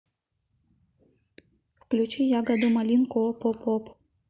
включи ягоду малинку оп оп оп